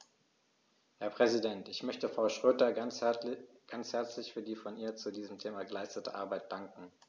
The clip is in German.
Herr Präsident, ich möchte Frau Schroedter ganz herzlich für die von ihr zu diesem Thema geleistete Arbeit danken.